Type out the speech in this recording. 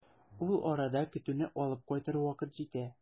Ул арада көтүне алып кайтыр вакыт җитә.